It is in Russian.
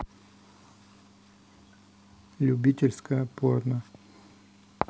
любительское порно